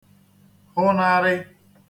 hụnarị